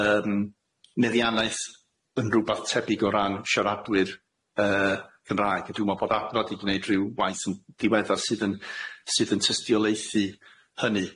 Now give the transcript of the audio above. yym meddiannaeth yn rwbath tebyg o ran siaradwyr yy Cymraeg a dwi me'wl bod adnodd i gneud ryw waith yn diweddar sydd yn sydd yn tystiolaethu hynny.